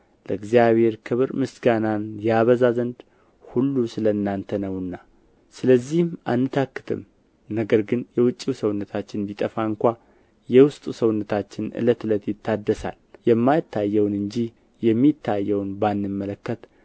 ለእግዚአብሔር ክብር ምስጋናን ያበዛ ዘንድ ሁሉ ስለ እናንተ ነውና ስለዚህም አንታክትም ነገር ግን የውጭው ሰውነታችን ቢጠፋ እንኳ የውስጡ ሰውነታችን ዕለት ዕለት ይታደሳል የማይታየውን እንጂ የሚታየውን ባንመለከት